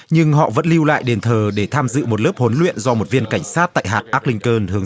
nhưng họ vẫn lưu lại đền thờ để tham dự một lớp huấn luyện do một viên cảnh sát tại hạt ác linh tơn hướng